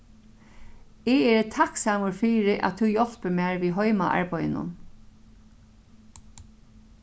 eg eri takksamur fyri at tú hjálpir mær við heimaarbeiðinum